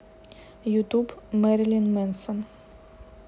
ютуб мэрилин мэнсон